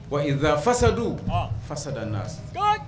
Waz fasadu fasada na